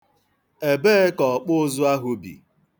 Ebee ka ọkpụụzụ ahụ bi?